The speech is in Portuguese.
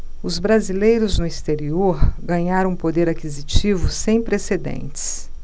os brasileiros no exterior ganharam um poder aquisitivo sem precedentes